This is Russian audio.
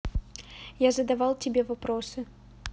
я задавал тебе вопросы